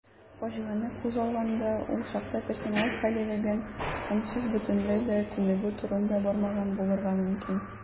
Фаҗигане күзаллаганда, ул чакта персонал хәйләләгән һәм сүз бөтенләй дә күнегү турында бармаган булырга мөмкин.